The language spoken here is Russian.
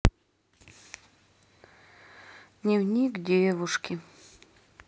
дневник девушки